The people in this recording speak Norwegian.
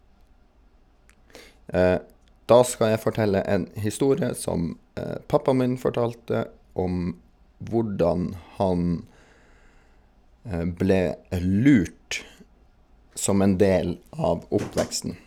Da skal jeg fortelle en historie som pappaen min fortalte om hvordan han ble lurt som en del av oppveksten.